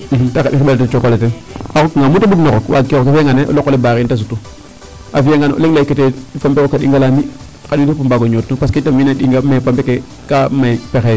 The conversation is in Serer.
Ta xanj ke te xiɓa cok ole ten muu ta bugna rok waagke a fi'anga neene o loq ole barrer in ta sutu a fi'angaan o leŋ laykatee fambe roku a ɗing ala mi' xan fop mbaag o ñootnu parce que a tamit weena ɗingaa mais pambe ke kaa may pexeyo